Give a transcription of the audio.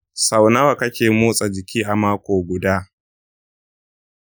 sau nawa kake motsa jiki a mako guda?